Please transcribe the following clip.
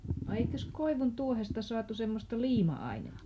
no eikös koivuntuohesta saatu semmoista liima-ainettakin